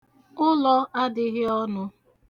Ụlọ adịghị ọnụ